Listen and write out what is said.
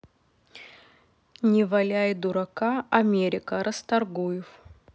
не валяй дурака америка расторгуев